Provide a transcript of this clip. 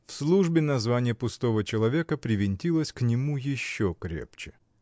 В службе название пустого человека привинтилось к нему еще крепче.